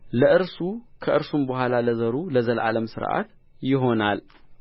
ለእርሱ ከእርሱም በኋላ ለዘሩ ለዘላለም ሥርዓት ይሆናል